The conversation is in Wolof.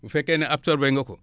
bu fekkee ne absorbé nga ko